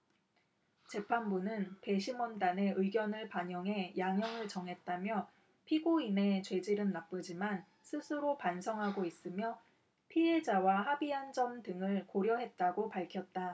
재판부는 배심원단의 의견을 반영해 양형을 정했다며 피고인의 죄질은 나쁘지만 스스로 반성하고 있으며 피해자와 합의한 점 등을 고려했다고 밝혔다